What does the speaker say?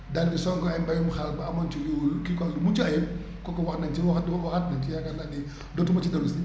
daal di song ay mbayum xaal ba amoon ci lu kii quoi lu mucc ayib kooku wax nañ ci waxati waxaat nañ ci yaakaar naa ni dootuma ci dellu si